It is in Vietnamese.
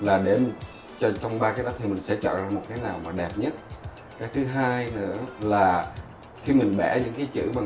là để truyền thông ba cái đó thì mình sẽ chọn ra một cái nào mà đẹp nhất cái thứ hai nữa là khi mình vẽ những cái chữ bằng